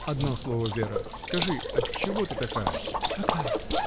— Одно слово, Вера: скажи, отчего ты такая? — Какая?